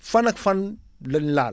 fan ak fan lañ laan